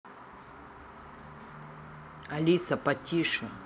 алиса потише